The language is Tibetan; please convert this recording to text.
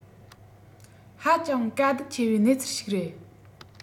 ཧ ཅང དཀའ སྡུག ཆེ བའི གནས ཚུལ ཞིག རེད